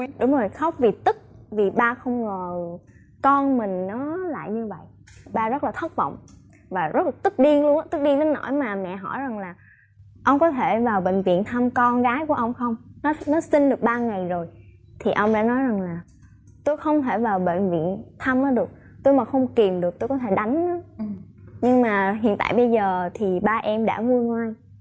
đúng rồi khóc vì tức vì ba không ngờ con mình nó lại như vậy ba rất là thất vọng và rất là tức điên luôn á tức điên đến nỗi mà mẹ hỏi rằng là ông có thể vào bệnh viện thăm con gái của ông không nó nó sinh được ba ngày rồi thì ông đã nói rằng là tôi không thể vào bệnh viện thăm nó ừ được tôi mà không kìm được tôi có thể đánh nó nhưng mà hiện tại bây giờ thì ba em đã nguôi ngoai